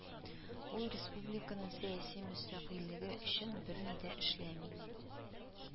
Ул республиканың сәяси мөстәкыйльлеге өчен берни дә эшләми